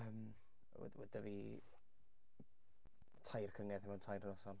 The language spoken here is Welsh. Yym wedd wedd 'da fi tair cyngerdd mewn tair noson.